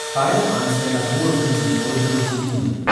Beide Arnsberger Burgen sind heute Ruinen